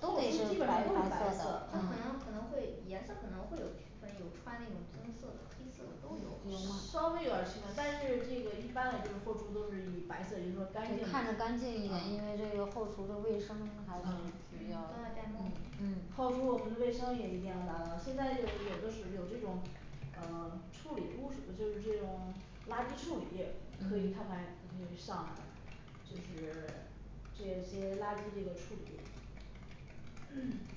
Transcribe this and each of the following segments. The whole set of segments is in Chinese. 后厨基本上都是白色就可啊能可能会颜色可能会有区分，有穿那种棕色的黑色的都有稍微有点儿区分，但是这个一般的就是后厨都是以白色也就是说干净啊看着干净一点因啊为这个后厨的卫生还要啊只要都要帽子嗯嗯后厨我们的卫生也一定要达到，现在就是有的是有这种呃 处理污水就是这种垃圾处理可以看看可以上来点儿就是 这些这些垃圾这个处理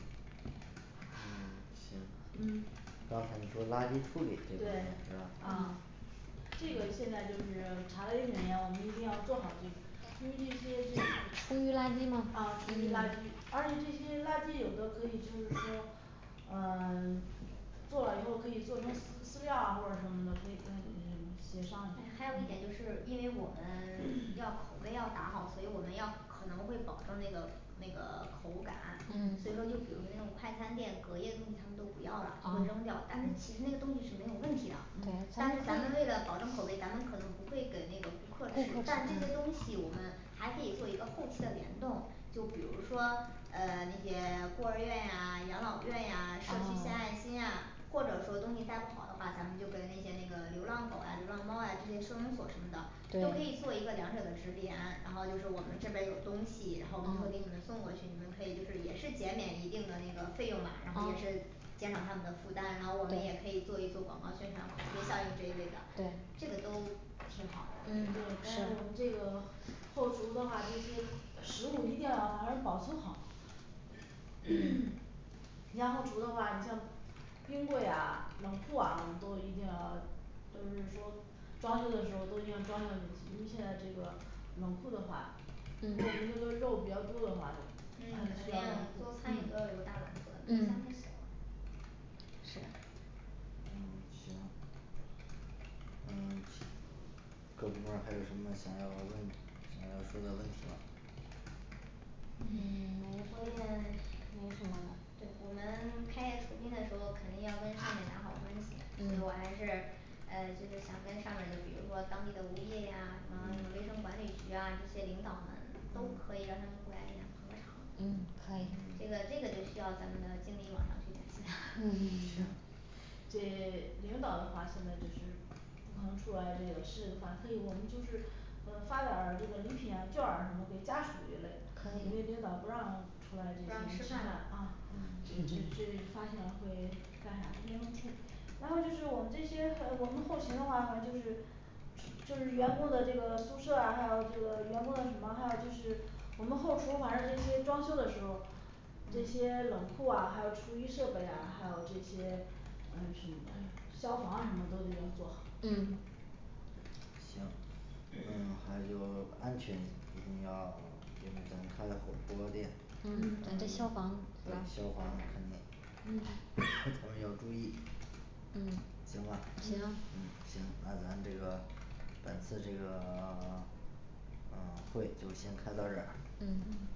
呃行嗯刚才说垃圾处理这个问对题啊啊这个现在就是查的也挺严我们一定要做好这个因为这些这 厨余垃圾吗啊厨余垃圾而且这些垃圾有的可以就是说 呃 做了以后可以做成饲饲料啊或者什么的可以跟嗯什么协商嗯一还下有一点就嗯是因为我们 要口碑要打好，所以我们要可能会保证那个那个口感，嗯所以说就比如那种快餐店隔夜东西他们都不要了就会扔啊掉，但是其实那个东西是没有问题的对嗯但是咱们为了保证口碑，咱们可能不会给那个顾顾客客啊吃，但这些东西我们还可以做一个后期的联动就比如说呃那些孤儿院呀、养老院呀社区献爱啊心啊或者说东西再不好的话，咱们就给那些那个流浪狗啊流浪猫啊这些收容所什么的都可以对做一个两者的指点，然后就是我们这边儿有东西，然后我们就会给你们啊送过去，你们可以就是也是减免一定的那个费用嘛然后也是啊减少他们的负担，然后我们也对可以做一做广告宣传口碑效应这一类的，对这个都挺好的嗯对我觉得但是我们这个后厨的话这些食物一定要反正要保存好像后厨的话你像冰柜啊，冷库啊我们都一定要都是说装修的时候都一定装修进去，因为现在这个冷库的话如果我 们这个肉比较多的话嗯呃需要肯冷定库做餐饮嗯都要有个大冷库的，冰嗯箱太小了是嗯行嗯行各部门儿还有什么想要问的想要说的问题吗嗯 火锅店没什么了对我们开业酬宾的时候肯定要跟上面打好关系，所以我还嗯是呃就是想跟上面儿，就比如说当地的物业呀，什么什么卫生管理局啊这些领导们都可以让他们过来给咱捧个场嗯可以这个这个就需要咱们的经理往上去联系了 嗯行这 领导的话现在就是不可能出来这个吃这个饭可以，我们就是呃发点儿这个礼品啊劵儿啊什么给家属一类可以因为领导不让出来不让这些吃吃饭饭啊嗯这这这发现了会干啥严重处理然后就是我们这些呃我们后勤的话反正就是吃就是员工的这个宿舍啊还有这个员工的什么，还有就是我们后厨反正这些装修的时候儿这些冷库啊还有厨艺设备啊，还有这些呃什么嗯消防啊什么都得要做好嗯行& &，然后还有就安全一定要嗯等开了火锅儿店嗯嗯咱这消防对消防肯定嗯 咱们要注意对行吧嗯行行那咱这个本次这个 嗯会就先开到这儿嗯嗯